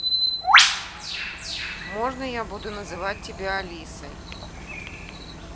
можно я тебя буду называть алисой